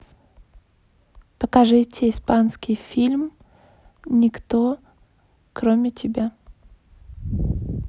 покажите испанский фильм никто кроме тебя